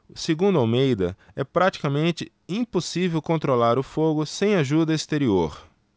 segundo almeida é praticamente impossível controlar o fogo sem ajuda exterior